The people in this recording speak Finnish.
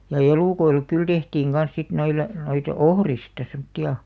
ja elukoille kyllä tehtiin kanssa sitten noille noita ohrista semmoisia